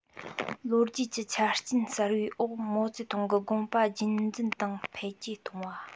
ལོ རྒྱུས ཀྱི ཆ རྐྱེན གསར པའི འོག མའོ ཙེ ཏུང གི དགོངས པ རྒྱུན འཛིན དང འཕེལ རྒྱས བཏང བ